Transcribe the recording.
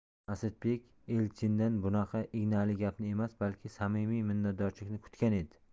asadbek elchindan bunaqa ignali gapni emas balki samimiy minnatdorchilik kutgan edi